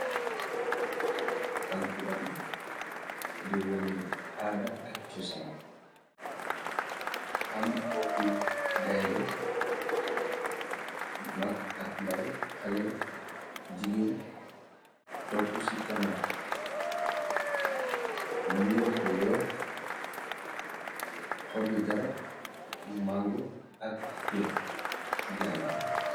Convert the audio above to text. kankuran di wone aada ak cosan am mboppi gaynde mag ak ndaw xale a jigéen topp ci kanaaw mbir bu weex xobi garab yu mango ak kër ci gannaaw